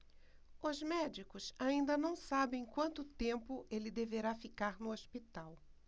os médicos ainda não sabem quanto tempo ele deverá ficar no hospital